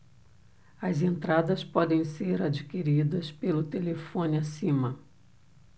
as entradas podem ser adquiridas pelo telefone acima